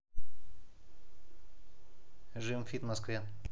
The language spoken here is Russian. gymfit в москве